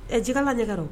Ɛɛ jikala bɛ ɲɛgɛn na?